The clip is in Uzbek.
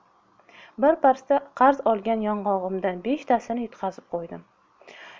birpasda qarz olgan yong'og'imdan beshtasini yutqazib qo'ydim